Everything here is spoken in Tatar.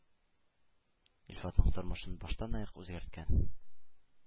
Илфатның тормышын баштанаяк үзгәрткән